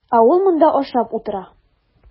Ә ул монда ашап утыра.